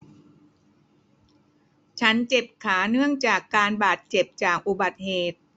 ฉันเจ็บขาเนื่องจากการบาดเจ็บจากอุบัติเหตุ